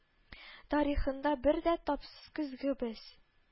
Тарихында бер дә тапсыз көзге без